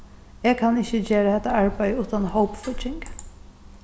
eg kann ikki gera hetta arbeiðið uttan hópfígging